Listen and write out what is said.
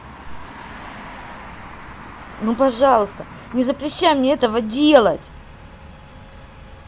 ну пожалуйста не запрещай мне этого делать